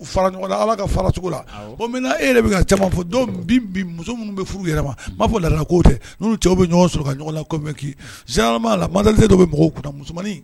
Fara ala ka faracogo la o e de bɛ ca fɔ minnu bɛ furu yɛrɛ yɛlɛma'a fɔ lara ko tɛ bɛ ɲɔgɔn suma la mad dɔw bɛ mɔgɔw musomanmaninin